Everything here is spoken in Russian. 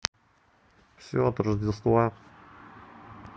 все от рождества